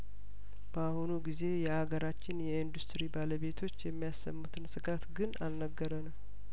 በአሁኑ ጊዜ የአገራችን የኢንዱስትሪ ባለቤቶች የሚያሰሙትን ስጋት ግን አልነገረንም